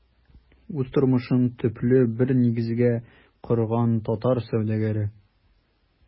Үз тормышын төпле бер нигезгә корган татар сәүдәгәре.